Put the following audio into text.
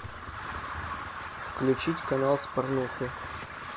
включить канал с порнухой